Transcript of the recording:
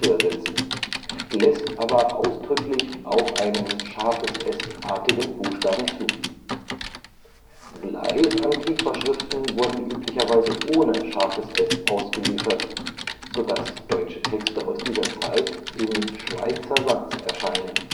ersetzen, lässt aber ausdrücklich auch einen ß-artigen Buchstaben zu. Blei-Antiquaschriften wurden üblicherweise ohne ß ausgeliefert, so dass deutsche Texte aus dieser Zeit in Schweizer Satz erscheinen